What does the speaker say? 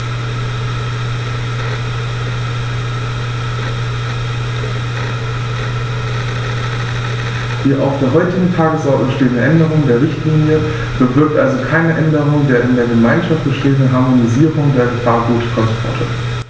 Die auf der heutigen Tagesordnung stehende Änderung der Richtlinie bewirkt also keine Änderung der in der Gemeinschaft bestehenden Harmonisierung der Gefahrguttransporte.